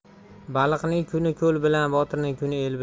baliqning kuni ko'l bilan botirning kuni el bilan